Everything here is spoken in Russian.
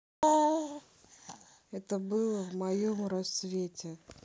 это было в моем рассвете